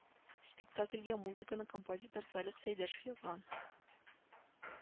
Спектакльгә музыканы композитор Салих Сәйдәшев язган